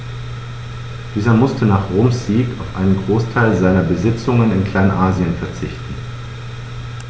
Dieser musste nach Roms Sieg auf einen Großteil seiner Besitzungen in Kleinasien verzichten.